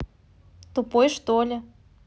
тупой что ли